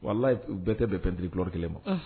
Wala u bɛɛ tɛ bɛn peptiririllo kelen ma